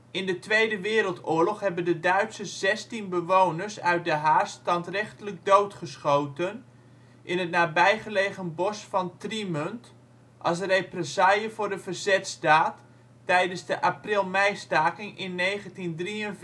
In de Tweede Wereldoorlog hebben de Duitsers zestien bewoners uit De Haar standrechtelijk doodgeschoten in het nabijgelegen bos van Trimunt als represaille voor een verzetsdaad tijdens de April-meistaking in 1943